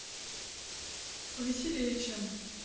повеселее чем